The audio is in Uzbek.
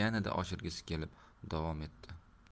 yanada oshirgisi kelib davom etdi